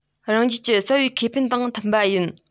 རང རྒྱལ གྱི རྩ བའི ཁེ ཕན དང མཐུན པ ཡིན